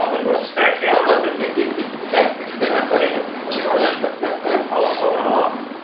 y gwartheg 'dyn wrth gwrs